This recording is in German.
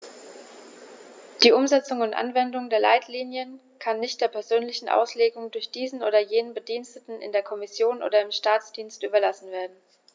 Die Umsetzung und Anwendung der Leitlinien kann nicht der persönlichen Auslegung durch diesen oder jenen Bediensteten in der Kommission oder im Staatsdienst überlassen werden.